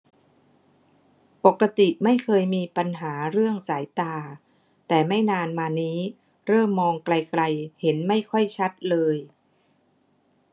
ปกติไม่เคยมีปัญหาเรื่องสายตาแต่ไม่นานมานี้เริ่มมองไกลไกลเห็นไม่ค่อยชัดเลย